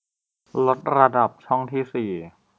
ลดระดับช่องที่สี่